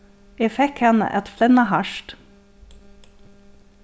eg fekk hana at flenna hart